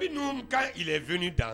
quand il est venu dans